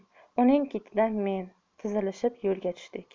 uning ketidan men tizilishib yo'lga tushdik